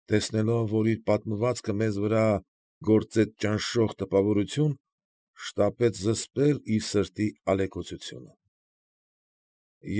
Տեսնելով, որ իր պատմվածքը մեզ վրա գործեց ճնշող տպավորություն, շտապեց զսպել իր սրտի ալեկոծությունը։